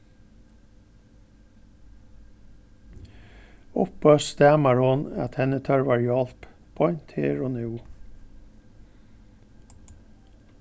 uppøst stamar hon at henni tørvar hjálp beint her og nú